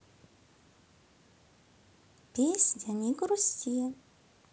песня не грусти